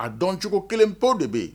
A dɔncogo kelen pe de bɛ yen